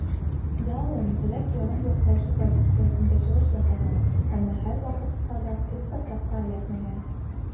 Ялланн терәк ярым яклаучы позициясендә чыгыш ясаган, әмма һәрвакытта да төп составка эләкмәгән.